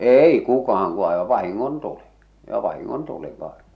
ei kukaan kun aivan vahingontuli jo vahingontuli vain